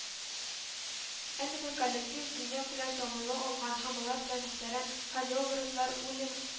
Әлеге коллектив дөньякүләм танылу алган һәм алар белән мөхтәрәм хореографлар Уильям